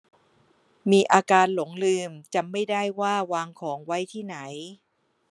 มีอาการหลงลืมจำไม่ได้ว่าวางของไว้ที่ไหน